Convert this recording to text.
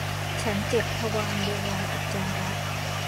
ฉันเจ็บทวารเวลาอุจจาระ